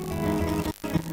San